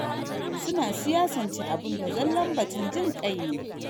“Su na siyasance abun da zallan batun jin kai ne.”